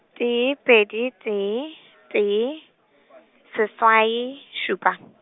tee pedi tee, tee, seswai, šupa .